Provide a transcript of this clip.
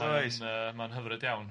Mae o'n mae'n yy mae'n hyfryd iawn.